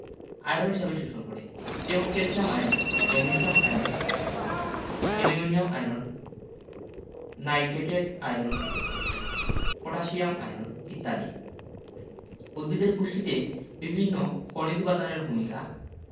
iron হিসেবে শোষণ করে যেমন calcium ion magnesium ion ammonium ion nitrate ion potassium ion ইত্যাদি উদ্ভিদের পুষ্টিতে বিভিন্ন খনিজ উপাদানের ভূমিকা